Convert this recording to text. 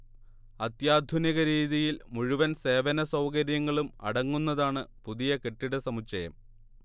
അത്യാധുനിക രീതിയിൽ മുഴുവൻ സേവന സൗകര്യങ്ങളും അടങ്ങുന്നതാണ് പുതിയ കെട്ടിടസമുച്ചയം